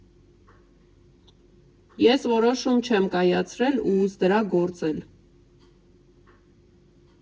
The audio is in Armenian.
Ես որոշում չեմ կայացրել ու ըստ դրա գործել.